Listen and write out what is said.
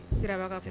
Siraba ka segin